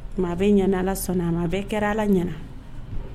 Mais a bɛ ɲɛ Ala sɔnna a ma, a bɛ kɛra ɲɛna.